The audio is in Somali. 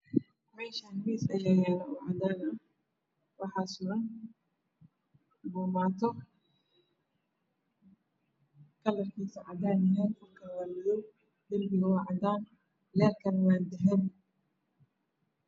Meeshaan miis ayaa yaalo oo cadaan ah waxaa suran boomaato kalarkeedu cadaan yahay. Dhulkana waa madow. darbigana waa cadaan. leyrka waa dahabi.